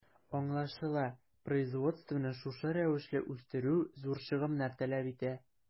Аңлашыла, производствоны шушы рәвешле үстерү зур чыгымнар таләп итә.